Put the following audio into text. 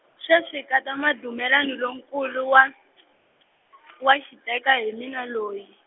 sweswi nkata Madumelani lonkulu wa , wa xiteka hi mina loyi.